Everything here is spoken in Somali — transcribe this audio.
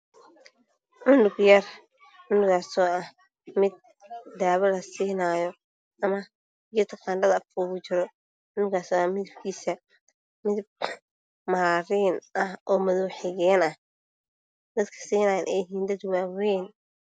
Cunug yar midkaaas oo ah mid daawa lasiinay midabkiisu yahay maariin ama madow xigeen dadka siinay ay yihiin dad waaweyn